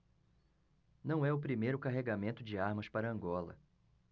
não é o primeiro carregamento de armas para angola